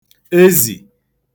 ezì